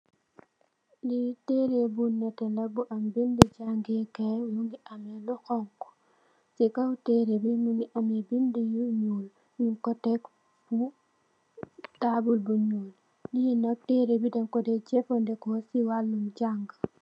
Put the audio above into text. Lii teere bu nete bu am bede jangee mu gi am lu wax ci kaw teere be mu gi amhe bede lu nuul ng ko tak ci tabul bu nuul teere be den ko day defaneko ci walum jaayukaay.